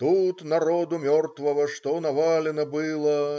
Тут народу мертвого что навалено было.